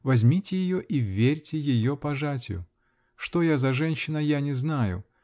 Возьмите ее и верьте ее пожатию. Что я за женщина, я не знаю